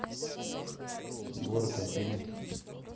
город афины